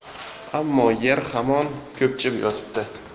ammo yer hamon ko'pchib yotibdi